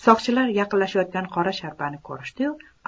soqchilar yaqinlashayotgan qora sharpani ko'rishdi yu